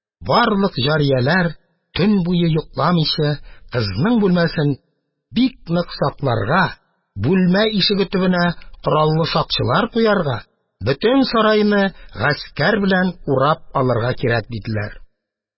Барлык җарияләр, төн буе йокламыйча, кызның бүлмәсен бик нык сакларга, бүлмә ишеге төбенә кораллы сакчылар куярга, бөтен сарайны гаскәр белән урап алырга кирәк, диделәр.